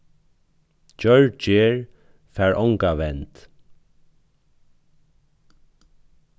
gjørd gerð fær onga vend